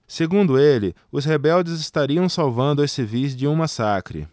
segundo ele os rebeldes estariam salvando os civis de um massacre